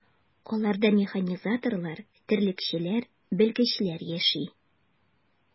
Аларда механизаторлар, терлекчеләр, белгечләр яши.